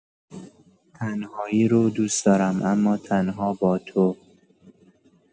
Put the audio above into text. تنهایی رو دوس دارم اما تنها با تو.